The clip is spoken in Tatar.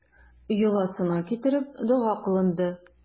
Йоласына китереп, дога кылынды.